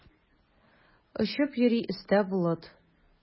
Очып йөри өстә болыт.